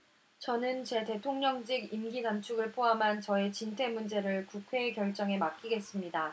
저는 제 대통령직 임기 단축을 포함한 저의 진퇴 문제를 국회의 결정에 맡기겠습니다